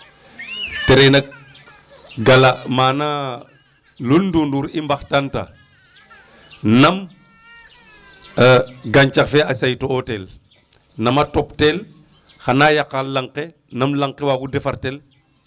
Te refna gala mana Luul Ndoundour i mbaxtaanta nam gañcax fe a saytu'ooxtel, nam a to teel xan a yaqa lanq ke ,nam lanq ke waagu defartel.